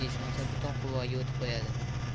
ishonsa butun quvaga o't qo'yadi